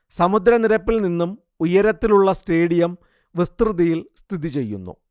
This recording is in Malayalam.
സമുദ്ര നിരപ്പിൽ നിന്നും ഉയരത്തിലുള്ള സ്റ്റേഡിയം വിസ്തൃതിയിൽ സ്ഥിതിചെയ്യുന്നു